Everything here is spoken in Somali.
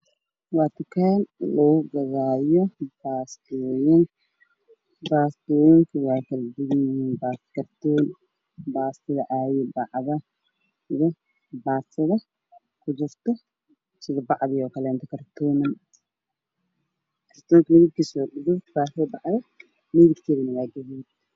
Waa tukaan lagu gadayo baastooyin baastooyinku waa kartoon